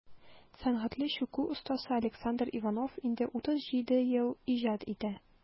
Сәнгатьле чүкү остасы Александр Иванов инде 37 ел иҗат итә.